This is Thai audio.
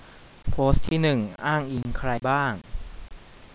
โพสต์ที่หนึ่งอ้างอิงใครบ้าง